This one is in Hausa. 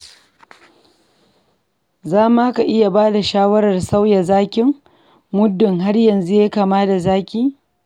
Za ma ka iya ba da shawarar sauya zakin, muddun har yanzu ya yi kama da zaki.